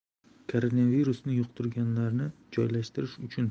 koronavirusni yuqtirganlarni joylashtirish uchun